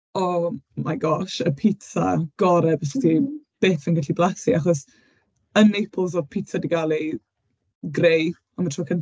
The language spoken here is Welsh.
O my gosh, y pitsa gorau byset... m-hm ...ti byth yn gallu blasu, achos, yn Naples oedd pitsa 'di gael ei, greu am y tro cynt-...